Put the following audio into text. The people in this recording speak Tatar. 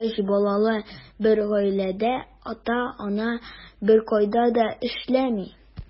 Өч балалы бер гаиләдә ата-ана беркайда да эшләми.